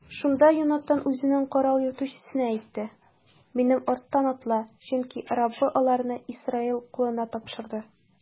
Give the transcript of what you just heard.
Шунда Йонатан үзенең корал йөртүчесенә әйтте: минем арттан атла, чөнки Раббы аларны Исраил кулына тапшырды.